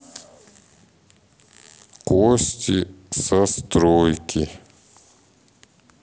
кости со стройки